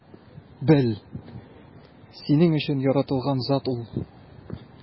Бел: синең өчен яратылган зат ул!